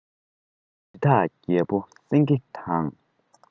རི དྭགས རྒྱལ པོ སེང གེ དང